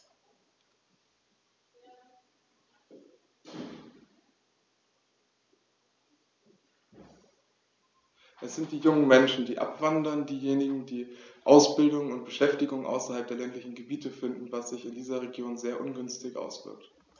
Es sind die jungen Menschen, die abwandern, diejenigen, die Ausbildung und Beschäftigung außerhalb der ländlichen Gebiete finden, was sich in diesen Regionen sehr ungünstig auswirkt.